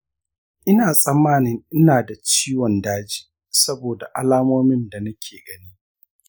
ina tsammanin ina da ciwon daji saboda alamomin da nake gani.